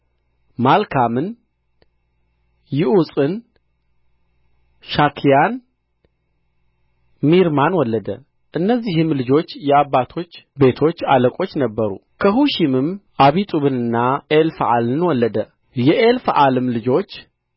ማልካምን ይዑጽን ሻክያን ሚርማን ወለደ እነዚህም ልጆች የአባቶች ቤቶች አለቆች ነበሩ ከሑሺምም አቢጡብንና ኤልፍዓልን ወለደ የኤልፍዓልም ልጆች